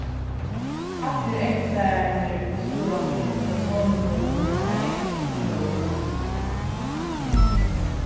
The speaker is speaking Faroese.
allir ensktlærararnir í skúlanum hjá soni mínum hava enskt sum móðurmál